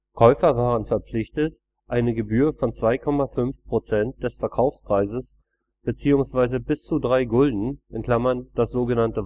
Käufer waren verpflichtet, eine Gebühr von 2,5 Prozent des Verkaufspreises bzw. bis zu drei Gulden (das sog.